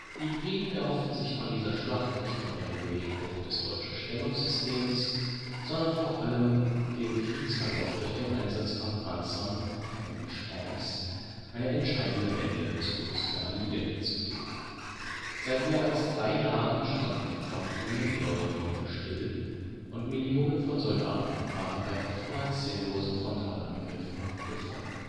Die Briten erhofften sich von dieser Schlacht nicht nur einen Durchbruch des deutschen Stellungssystems, sondern vor allem, dem Kriegsverlauf durch den Einsatz von Panzern (engl. Tanks) eine entscheidende Wende zu Gunsten der Alliierten zu geben. Seit mehr als drei Jahren standen die Frontlinien mehr oder weniger still, und Millionen von Soldaten waren bei oftmals sinnlosen Frontalangriffen gefallen